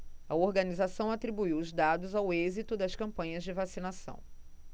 a organização atribuiu os dados ao êxito das campanhas de vacinação